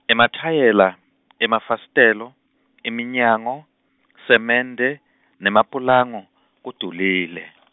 emathayela, emafasitelo, iminyango, semende, nemapulango, kudulile.